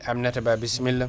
Aminata Ba bissimilla